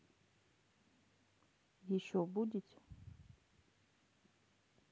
еще будете